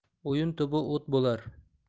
o'yin tubi o't bo'lar